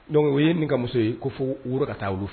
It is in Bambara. Donc o ye nin ka muso ye ko fo, woro ka taa olu fɛ